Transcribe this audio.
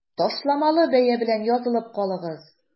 Ташламалы бәя белән язылып калыгыз!